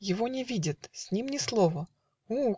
Его не видят, с ним ни слова; У!